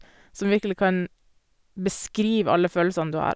Som virkelig kan beskrive alle følelsene du har.